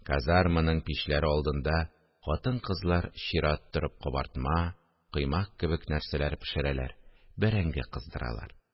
Казарманың мичләре алдында хатын-кызлар чират торып кабартма, коймак кебек нәрсәләр пешерәләр, бәрәңге кыздыралар